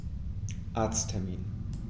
Arzttermin